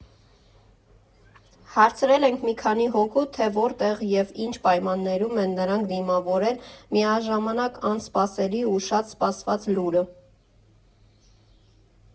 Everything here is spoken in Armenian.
Հարցրել ենք մի քանի հոգու, թե որտեղ և ինչ պայմաններում են նրանք դիմավորել միաժամանակ անսպասելի ու շատ սպասված լուրը։